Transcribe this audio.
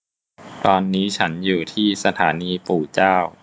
ตอนนี้ฉันอยู่ที่สถานีปู่เจ้า